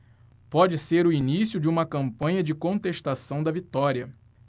pode ser o início de uma campanha de contestação da vitória